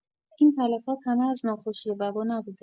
این تلفات همه از ناخوشی وبا نبوده!